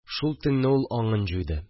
Шул төнне ул аңын җуйды